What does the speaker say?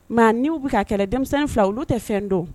Nka n' bɛ ka kɛlɛ denmisɛnnin fila olu tɛ fɛn don